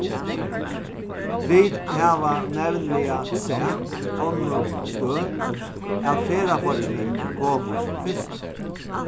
vit hava nevniliga sæð onnur støð at ferðafólkini komu fyrst